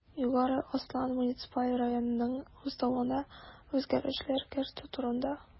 Югары Ослан муниципаль районынның Уставына үзгәрешләр кертү турында